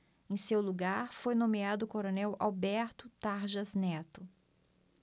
em seu lugar foi nomeado o coronel alberto tarjas neto